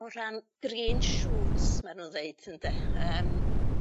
O rhan green shoots ma' nw'n ddeud ynde yym